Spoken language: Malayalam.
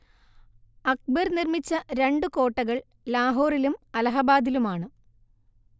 അക്ബർ നിർമിച്ച രണ്ടു കോട്ടകൾ ലാഹോറിലും അലഹബാദിലുമാണ്